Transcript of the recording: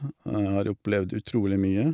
Og jeg har opplevd utrolig mye.